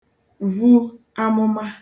vu amụma